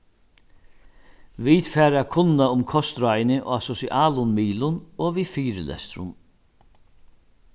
vit fara at kunna um kostráðini á sosialum miðlum og við fyrilestrum